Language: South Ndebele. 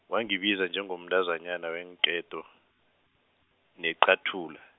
wangibiza njengomntazanyana weenketo, neqathula.